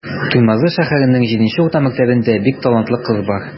Туймазы шәһәренең 7 нче урта мәктәбендә бик талантлы кыз бар.